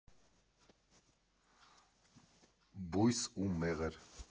Բույս ու մեղր։